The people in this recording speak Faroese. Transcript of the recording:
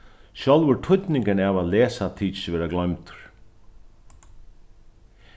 sjálvur týdningurin av at lesa tykist verða gloymdur